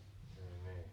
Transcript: vai niin